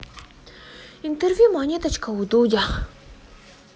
интервью монеточка у дудя